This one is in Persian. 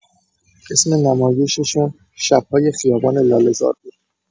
اسم نمایش‌شون «شب‌های خیابان لاله‌زار» بود.